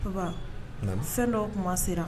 Papa '' Namun fɛn dɔ tuma sera